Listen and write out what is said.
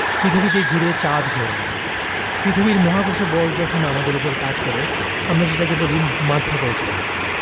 পৃথিবীকে ঘিরে চাঁদ ঘোরে পৃথিবীর মহাকর্ষ বল যখন আমাদের ওপর কাজ করে আমরা সেটাকে বলি মাধ্যাকর্ষণ